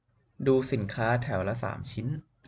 ดูสินค้าแถวละสามชิ้น